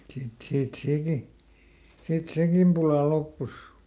sitten siitä sekin sitten sekin pula loppui